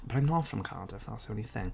But I'm not from Cardiff that's the only thing.